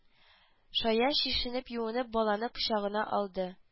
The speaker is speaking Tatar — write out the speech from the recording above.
Шаяз чишенеп юынып баланы кочагына алды